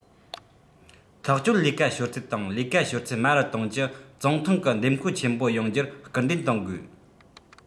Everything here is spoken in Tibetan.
ཐག གཅོད ལས ཀ ཤོར ཚད དང ལས ཀ ཤོར ཚད དམའ རུ གཏོང གྱི ཙུང ཐུང གི འདེམས བསྐོ ཆེན པོ ཡོང རྒྱུར སྐུལ འདེད གཏོང དགོས